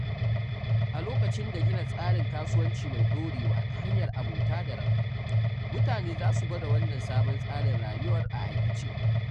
A lokacin da gina tsarin kasuwanci mai ɗorewa ta hanyar abota da rabo, mutane za su gwada wannan sabon tsarin rayuwar a aikace,